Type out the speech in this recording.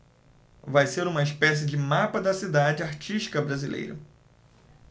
vai ser uma espécie de mapa da cidade artística brasileira